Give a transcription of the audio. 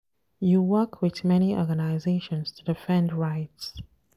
GV: You work with many organizations to defend rights.